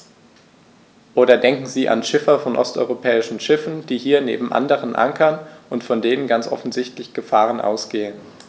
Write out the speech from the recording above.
Oder denken Sie an Schiffer von osteuropäischen Schiffen, die hier neben anderen ankern und von denen ganz offensichtlich Gefahren ausgehen.